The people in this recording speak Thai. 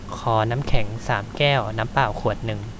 ขอน้ำแข็งสามแก้วน้ำเปล่าขวดหนึ่ง